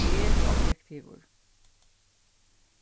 eg eri objektivur